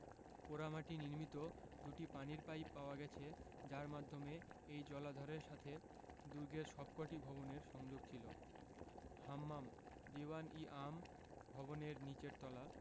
পোড়ামাটি নির্মিত দুটি পানির পাইপ পাওয়া গেছে যার মাধ্যমে এই জলাধারের সাথে দুর্গের সবকটি ভবনের সংযোগ ছিল হাম্মাম দীউয়ান ই আম ভবনের নীচের তলা